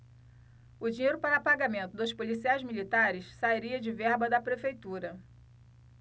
o dinheiro para pagamento dos policiais militares sairia de verba da prefeitura